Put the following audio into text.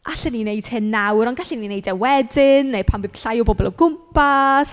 Allen ni wneud hyn nawr, ond gallen ni wneud e wedyn, neu pan bydd llai o bobl o gwmpas.